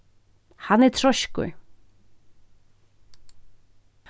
hann er treiskur